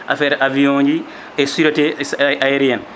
affaire avion ji e sureté aérienne